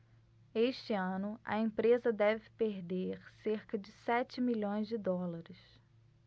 este ano a empresa deve perder cerca de sete milhões de dólares